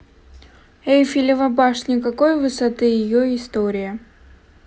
эйфелева башня какой высоты и ее история